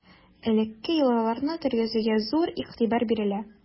Элекке йолаларны тергезүгә зур игътибар бирелә.